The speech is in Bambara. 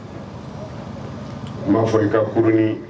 M ma fɔ i ka kurunin